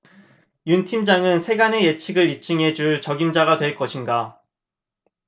윤 팀장은 세간의 예측을 입증해 줄 적임자가 될 것인가